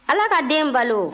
ala ka den balo